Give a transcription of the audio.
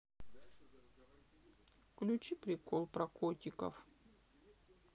включи прикол про котиков